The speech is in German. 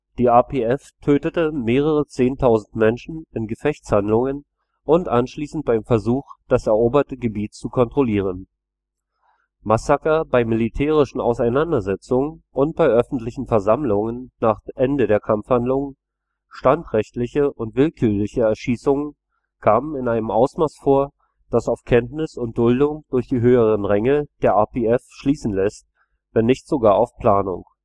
Die RPF tötete mehrere Zehntausend Menschen in Gefechtshandlungen und anschließend beim Versuch, das eroberte Gebiet zu kontrollieren. Massaker bei militärischen Auseinandersetzungen und bei öffentlichen Versammlungen nach Ende der Kampfhandlungen, standrechtliche und willkürliche Erschießungen kamen in einem Ausmaß vor, das auf Kenntnis und Duldung durch die höheren Ränge der RPF schließen lässt, wenn nicht sogar auf Planung